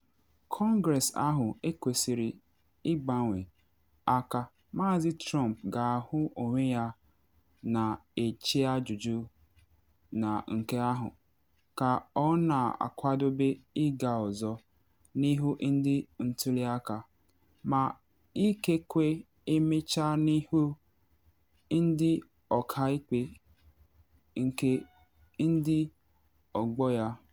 Kọngress ahụ ekwesịrị ịgbanwe aka, Maazị Trump ga-ahụ onwe ya na eche ajụjụ na nke ahụ, ka ọ na akwadobe ịga ọzọ n’ihu ndị ntuli aka, ma ikekwe emechaa n’ihu ndị ọkaikpe nke ndị ọgbọ ya.